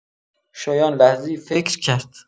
شایان لحظه‌ای فکر کرد.